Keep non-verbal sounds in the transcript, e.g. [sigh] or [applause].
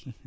[hesitation] [hesitation]